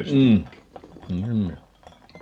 - niinhän ne oli